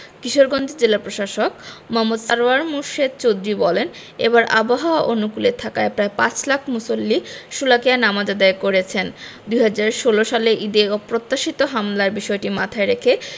কিশোরগঞ্জের জেলা প্রশাসক মো. সারওয়ার মুর্শেদ চৌধুরী বলেন এবার আবহাওয়া অনুকূলে থাকায় প্রায় পাঁচ লাখ মুসল্লি শোলাকিয়ায় নামাজ আদায় করেছেন ২০১৬ সালের ঈদের অপ্রত্যাশিত হামলার বিষয়টি মাথায় রেখে